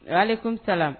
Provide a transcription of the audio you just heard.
' kunmisala